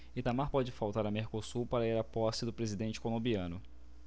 itamar pode faltar a mercosul para ir à posse do presidente colombiano